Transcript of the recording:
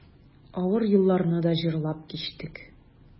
Авыр елларны да җырлап кичтек.